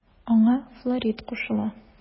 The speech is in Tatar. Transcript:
Аңа Флорид кушыла.